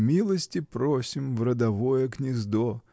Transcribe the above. милости просим в родовое гнездо!